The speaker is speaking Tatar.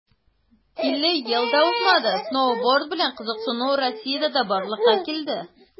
50 ел да узмады, сноуборд белән кызыксыну россиядә дә барлыкка килде.